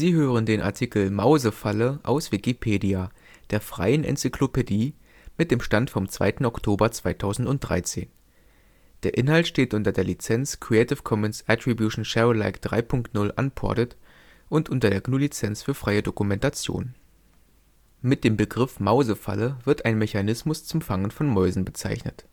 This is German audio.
hören den Artikel Mausefalle, aus Wikipedia, der freien Enzyklopädie. Mit dem Stand vom Der Inhalt steht unter der Lizenz Creative Commons Attribution Share Alike 3 Punkt 0 Unported und unter der GNU Lizenz für freie Dokumentation. Dieser Artikel befasst sich mit der Apparatur zum Fangen von Mäusen. Für andere Bedeutungen des Wortes Mausefalle siehe Mausefalle (Begriffsklärung). Schlagfalle mit getöteter Hausmaus Mit dem Begriff Mausefalle wird ein Mechanismus zum Fangen von Mäusen bezeichnet